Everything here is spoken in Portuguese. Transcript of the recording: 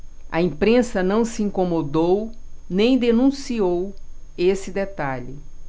a imprensa não se incomodou nem denunciou esse detalhe